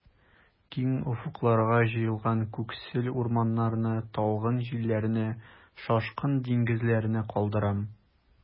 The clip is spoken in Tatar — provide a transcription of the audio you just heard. Киң офыкларга җәелгән күксел урманнарны, талгын җилләрне, шашкын диңгезләрне калдырам.